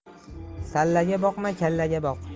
sallaga boqma kallaga boq